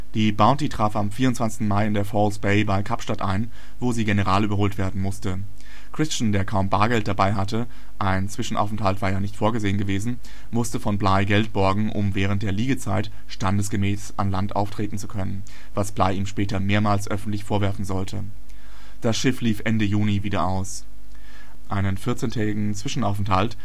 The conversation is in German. Die Bounty traf am 24. Mai in der False Bay bei Kapstadt ein, wo sie generalüberholt werden musste. Christian, der kaum Bargeld dabeihatte (ein Zwischenaufenthalt war ja nicht vorgesehen gewesen), musste von Bligh Geld borgen, um während der Liegezeit standesgemäß an Land auftreten zu können, was Bligh ihm später mehrmals öffentlich vorwerfen sollte. Das Schiff lief Ende Juni wieder aus. Einen vierzehntägigen Zwischenaufenthalt